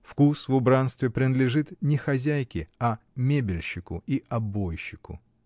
Вкус в убранстве принадлежит не хозяйке, а мебельщику и обойщику.